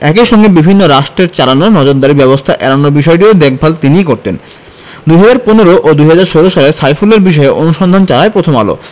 একই সঙ্গে বিভিন্ন রাষ্ট্রের চালানো নজরদারি ব্যবস্থা এড়ানোর বিষয়টিও দেখভাল তিনিই করতেন ২০১৫ ও ২০১৬ সালে সাইফুলের বিষয়ে অনুসন্ধান চালায় প্রথম আলো